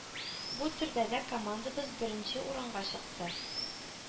Бу төрдә дә командабыз беренче урынга чыкты.